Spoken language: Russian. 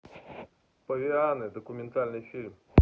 павианы документальный фильм